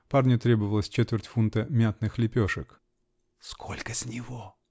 Парню требовалось четверть фунта мятных лепешек. -- Сколько с него?